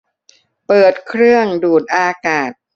เปิดเครื่องดูดอากาศ